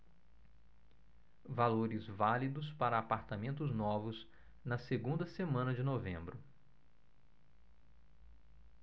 valores válidos para apartamentos novos na segunda semana de novembro